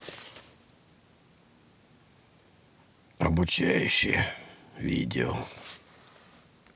обучающее видео